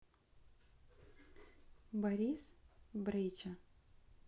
борис брейча